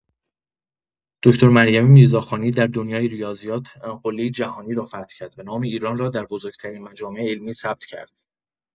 دکتر مریم میرزاخانی در دنیای ریاضیات قله‌ای جهانی را فتح کرد و نام ایران را در بزرگ‌ترین مجامع علمی ثبت کرد.